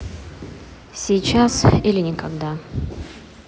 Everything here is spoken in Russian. сейчас или никогда